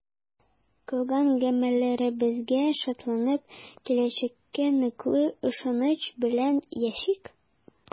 Кылган гамәлләребезгә шатланып, киләчәккә ныклы ышаныч белән яшик!